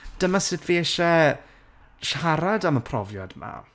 dyma sut fi isie, siarad am y profiad 'ma.